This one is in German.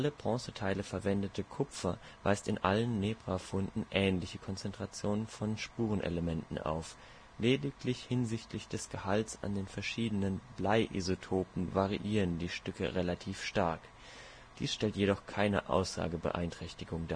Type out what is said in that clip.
Bronzeteile verwendete Kupfer weist in allen Nebra-Funden ähnliche Konzentrationen von Spurenelementen auf, lediglich hinsichtlich des Gehalts an den verschiedenen Blei? - Isotopen variieren die Stücke relativ stark. Dies stellt jedoch keine Aussagebeeinträchtigung